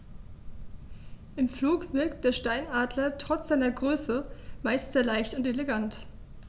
Im Flug wirkt der Steinadler trotz seiner Größe meist sehr leicht und elegant.